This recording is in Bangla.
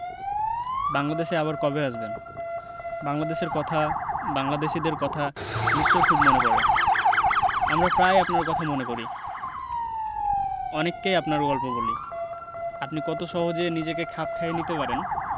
বাংলাদেশে আবার কবে আসবেন বাংলাদেশের কথা বাংলাদেশীদের কথা নিশ্চয় খুব মনে পরে আমরা প্রায়ই আপনারর কথা মনে করি অনেককেই আপনার গল্প করি আপনি কত সহজে নিজেকে খাপ খাইয়ে নিতে পারেন